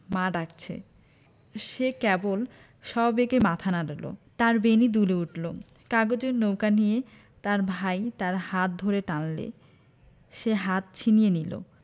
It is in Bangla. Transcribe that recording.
মা ডাকছে সে কেবল সবেগে মাথা নাড়াল তার বেণী দুলে উঠল কাগজের নৌকা নিয়ে তার ভাই তার হাত ধরে টানলে সে হাত ছিনিয়ে নিল